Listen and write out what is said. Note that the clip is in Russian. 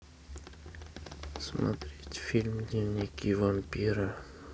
смотреть фильм дневники вампира